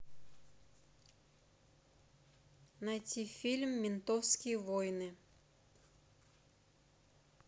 найди фильм ментовские войны